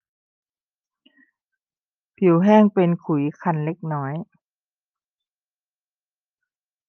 ผิวแห้งเป็นขุยคันเล็กน้อย